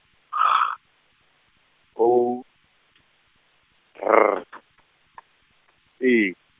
G O, R E.